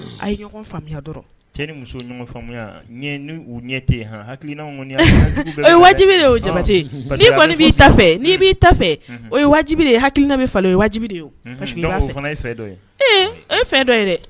A ye ɲɔgɔn faamuya dɔrɔn. Cɛ ni muso ɲɔgɔn faamuya? Ɲɛ ni u tɛ yen han hakilinaw kɔni a sugu bɛɛ b'a la dɛ! O ye wajibi ye o Jabate n'i kɔni b'i ta fɛ n'i b'i ta fɛ, hakinaw bɛ falen o ye wajibi de ye o parce que i b'a fɛ. O fana ye fɛ dɔ ye? E o ye fɛ dɔ ye dɛ!